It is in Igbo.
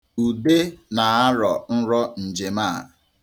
Ude na-arọ nrọ njem a.